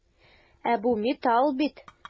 Ә бу металл бит!